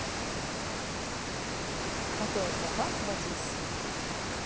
какой аквапарк в одессе